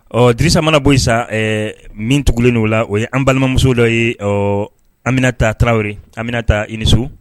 Ɔ disa mana bɔ sa min tugulen' o la o ye an balimamuso dɔ ye ɔ an bɛna taa taraweleri an bɛna taa i nisu